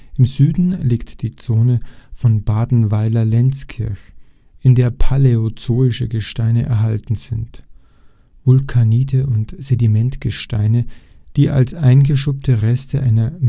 Im Süden liegt die Zone von Badenweiler-Lenzkirch, in der paläozoische Gesteine erhalten sind (Vulkanite und Sedimentgesteine), die als eingeschuppte Reste einer Mikrokontinentkollision